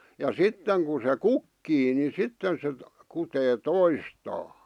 ja sitten kun se kukkii niin sitten se kutee toistaan